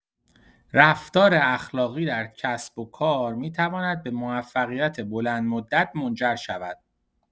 رفتار اخلاقی در کسب‌وکار می‌تواند به موفقیت بلندمدت منجر شود.